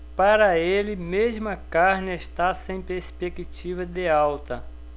para ele mesmo a carne está sem perspectiva de alta